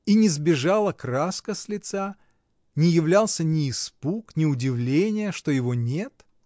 И не сбежала краска с лица, не являлся ни испуг, ни удивление, что его нет?